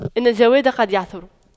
إن الجواد قد يعثر